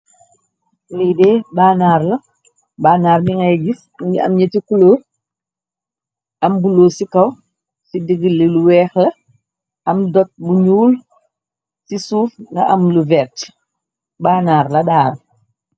liidee bannar la bannaar mi ngay gis ngi am ñeti kulo am bulo ci kaw ci diglli lu weex la am dot bu ñuul ci suuf nga am lu verge bannaar la daar